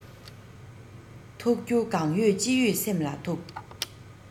ཐུག རྒྱུ གང ཡོད ཅི ཡོད སེམས ལ ཐུག